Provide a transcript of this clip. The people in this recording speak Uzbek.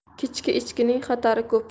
kechki ekinning xatari ko'p